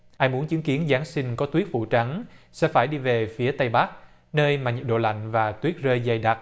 ai muốn chứng kiến giáng sinh có tuyết phủ trắng sẽ phải đi về phía tây bắc nơi mà nhiệt độ lạnh và tuyết rơi dày đặc